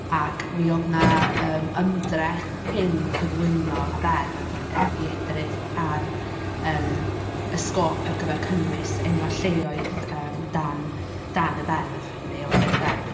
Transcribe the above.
Ac mi oedd 'na, yym, ymdrech cyn cyflwyno'r ddeddf yym i edrych ar yym y sgôp ar gyfer cynnwys enwau lleoedd yym dan dan y ddeddf, neu o fewn y ddeddf.